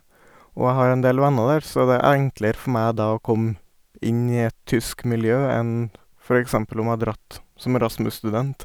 Og jeg har en del venner der, så det er enklere for meg da å komme inn i et tysk miljø enn for eksempel om jeg hadde dratt som Erasmus-student.